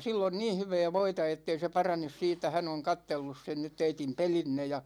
sillä on niin hyvää voita että ei se parane siitä hän on katsellut sen nyt teidän pelinne ja